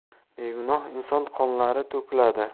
begunoh inson qonlari to'kiladi